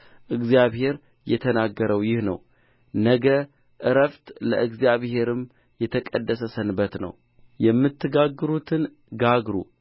እግዚአብሔር የተናገረው ይህ ነው ነገ ዕረፍት ለእግዚአብሔርም የተቀደሰ ሰንበት ነው የምትጋግሩትን ጋግሩ